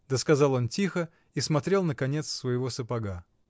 — досказал он тихо, и смотрел на конец своего сапога.